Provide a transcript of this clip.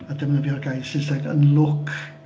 A defnyddio'r gair Saesneg yn look.